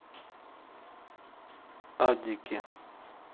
адики